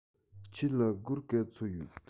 ཁྱེད ལ སྒོར ག ཚོད ཡོད